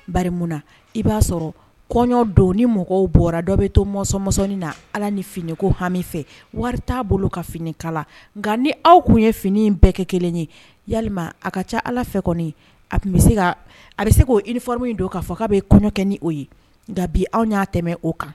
Ba munna na i b'a sɔrɔ kɔɲɔ don ni mɔgɔw bɔra dɔ bɛ to mɔnsɔn mɔnzɔnni na ala ni finiko hami fɛ wari t' aa bolo ka fini kala nka ni aw tun ye fini in bɛɛ kɛ kelen ye ya a ka ca ala fɛ kɔni a tun bɛ se ka a bɛ se k'o if min don k'a k'a bɛ kɔɲɔ kɛ ni o ye nka bi anw y'a tɛmɛ o kan